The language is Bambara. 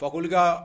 Fakolika